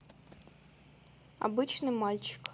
обычный мальчик